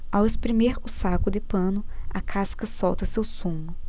ao espremer o saco de pano a casca solta seu sumo